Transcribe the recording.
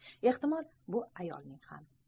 ehtimol bu ayolning ham